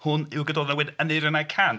Hwn yw Gododdin a wedyn Aneurin a'i cant.